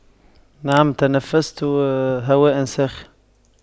نعم تنفست هواء ساخن